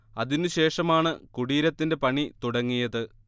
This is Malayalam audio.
അതിനുശേഷമാണ് കുടീരത്തിന്റെ പണി തുടങ്ങിയത്